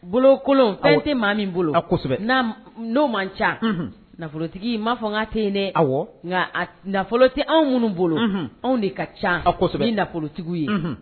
Bolokolon fɛn tɛ maa min bolo n'o man ca nafolotigi man fɔ k'a tɛ ye dɛ nka nafolo tɛ anw minnu bolo anw de ka ca ni nafolotigiw ye.